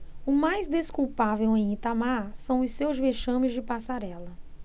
o mais desculpável em itamar são os seus vexames de passarela